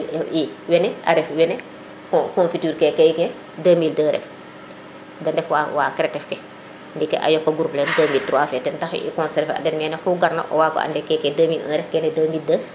i wene a ref wene confiture keke ke 2002 ref de ndef wa Cretef ke ndiki a yoqa groupe le 2003 fe ten tax i conserver an mene xu garna o wago ande keke 2001 ref keke 2002